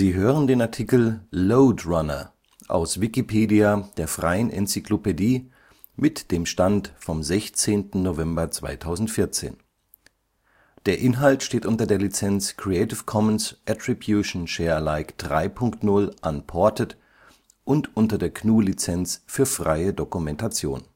hören den Artikel Lode Runner, aus Wikipedia, der freien Enzyklopädie. Mit dem Stand vom Der Inhalt steht unter der Lizenz Creative Commons Attribution Share Alike 3 Punkt 0 Unported und unter der GNU Lizenz für freie Dokumentation